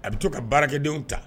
A bɛ to ka baarakɛdenw ta